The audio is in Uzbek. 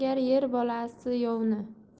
yengar er bolasi yovni